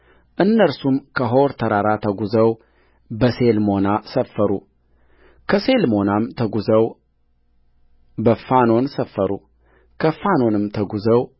እነርሱም ከሖር ተራራ ተጕዘው በሴልሞና ሰፈሩከሴልሞናም ተጕዘው በፉኖን ሰፈሩከፉኖንም ተጕዘው